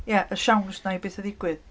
Ia, y siawns 'na i betha ddigwydd.